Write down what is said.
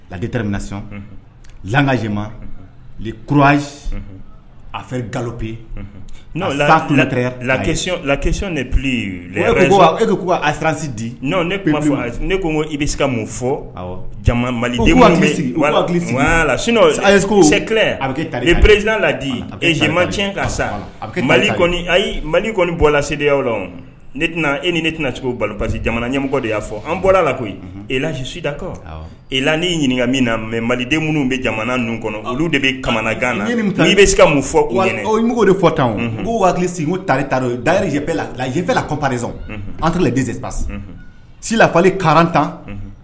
Ladi nasi lakaema kura a fɛ galo pe la la lacon de tile e bɛ a siranransi di ne tun ne ko i bɛ se ka mun fɔ mali laose a bɛ ta peredina ladiema tiɲɛ ka sa mali ayi mali kɔni bɔlasidi la ne tɛna e ni ne tɛna cogo pa jamana ɲɛmɔgɔ de y'a fɔ an bɔra la koyi esisidakaw e la ɲininkaka min na mɛ maliden minnu bɛ jamana ninnu kɔnɔ olu de bɛ kamana gan na i bɛ se ka mun fɔ mugu de fɔ tan b waati sigi ta ta darijɛp la lafɛ la kɔ paz aladzse pa sisanlafali karan tan